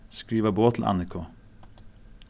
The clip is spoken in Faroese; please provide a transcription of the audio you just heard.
skriva boð til anniku